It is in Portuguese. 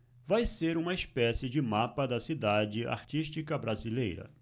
vai ser uma espécie de mapa da cidade artística brasileira